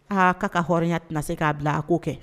Aa' ka hɔrɔnya tɛna se k'a bila a ko'o kɛ